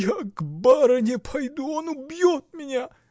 — Я к барыне пойду: он убьет меня!